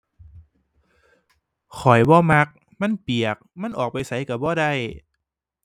ข้อยบ่มักมันเปียก มันออกไปไสก็บ่ได้